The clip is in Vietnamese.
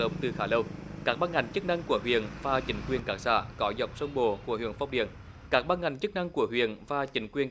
động từ khá lâu các ban ngành chức năng của viện và chính quyền các xã có dòng sông bồ của huyện phong điền các ban ngành chức năng của huyện và chính quyền